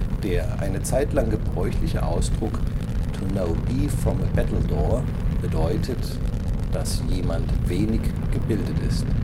Der eine Zeit lang gebräuchliche Ausdruck “to know B from a battledore” bedeutet, dass jemand wenig gebildet ist